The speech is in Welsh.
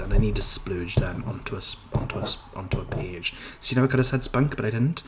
and I need to splurge them onto a s- onto a s- onto a page. See how I could've said spunk, but didn't?*